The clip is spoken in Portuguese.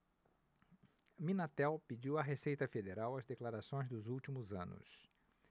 minatel pediu à receita federal as declarações dos últimos anos